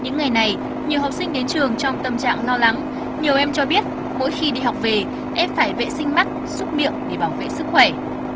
những ngày này nhiều học sinh đến trường trong tâm trạng lo lắng nhiều em cho biết mỗi khi đi học về em phải vệ sinh mắt súc miệng để bảo vệ sức khỏe